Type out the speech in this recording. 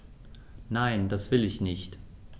Nein, das will ich nicht.